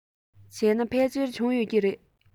བྱས ན ཕལ ཆེར བྱུང ཡོད ཀྱི རེད